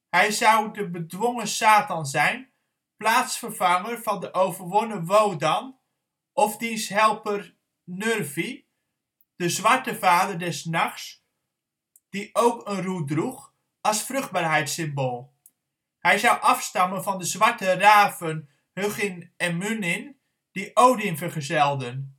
hij zou de bedwongen satan zijn, plaatsvervanger van de overwonnen Wodan, of diens helper Nörvi, de zwarte vader des nachts, die ook een roe droeg (als vruchtbaarheidssymbool); hij zou afstammen van de zwarte raven Huginn en Muninn, die Odin vergezelden